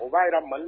O b'a jira Mali